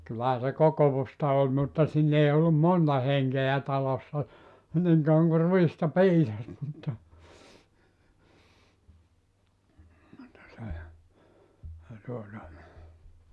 kyllähän se kokousta oli mutta siinä ei ollut monta henkeä talossa niin kauan kuin ruista piisasi mutta mutta se se tuota